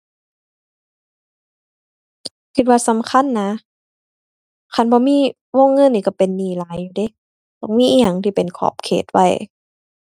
คิดว่าสำคัญนะ คันบ่มีวงเงินนี่ก็เป็นหนี้หลายอยู่เดะ ต้องมีอิหยังที่เป็นขอบเขตไว้